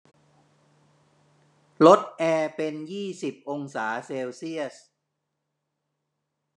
ลดแอร์เป็นยี่สิบองศาเซลเซียส